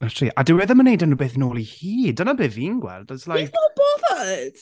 Literally a dyw e ddim yn gwneud unrhyw beth nôl i hi. Dyna be fi'n gweld. It's like... He's not bothered!